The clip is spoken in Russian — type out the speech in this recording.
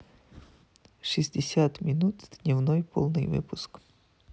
шестьдесят минут дневной полный выпуск